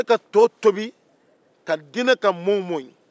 o ye to tobi ka di ne ka mɔgɔ man ye